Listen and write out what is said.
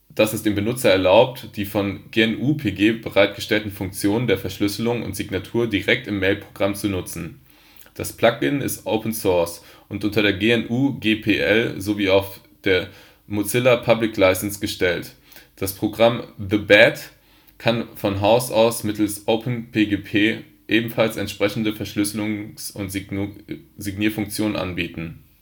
das es dem Benutzer erlaubt, die von GnuPG bereitgestellten Funktionen der Verschlüsselung und Signatur direkt im Mailprogramm zu nutzen. Das Plugin ist Open Source und unter die GNU-GPL sowie unter die Mozilla Public License gestellt. Das Programm The Bat kann von Haus aus mittels OpenPGP ebenfalls entsprechende Verschlüsselungs - und Signierfunktionen anbieten